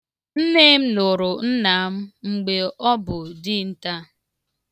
Nne m lụrụ nna m mgbe ọ bụ dinta.